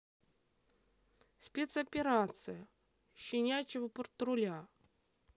спецоперация щенячего патруля